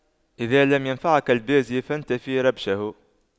إذا لم ينفعك البازي فانتف ريشه